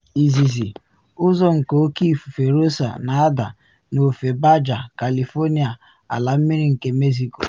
Izizi, ụzọ nke Oke Ifufe Rosa na ada n’ofe Baja California ala mmiri nke Mexico.